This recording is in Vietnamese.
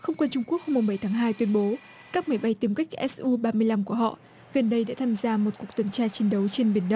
không quân trung quốc hôm mùng bảy tháng hai tuyên bố các máy bay tiêm kích ét su ba mươi lăm của họ gần đây đã tham gia một cuộc tuần tra chiến đấu trên biển